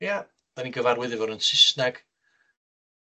Ia, 'dan ni'n gyfarwydd efo'r un Sysneg.